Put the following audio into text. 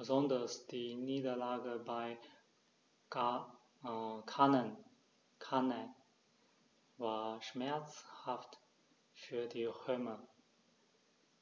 Besonders die Niederlage bei Cannae war schmerzhaft für die Römer: